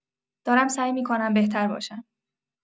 دارم سعی می‌کنم بهتر باشم